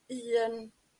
un